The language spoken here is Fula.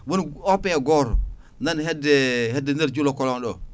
woni OP goto nan hedde hedde nder Djulakolon ɗo